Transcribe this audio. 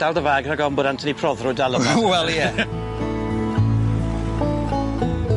Dal dy fag rhag ofn bo Anthony Prothero dal yma! Wel, ie.